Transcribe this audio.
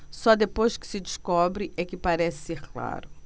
só depois que se descobre é que parece ser claro